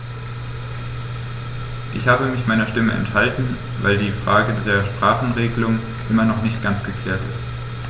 Ich habe mich meiner Stimme enthalten, weil die Frage der Sprachenregelung immer noch nicht ganz geklärt ist.